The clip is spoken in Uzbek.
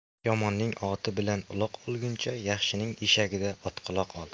yomonning oti bilan uloq olguncha yaxshining eshagida otquloq ol